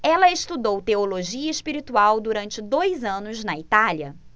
ela estudou teologia espiritual durante dois anos na itália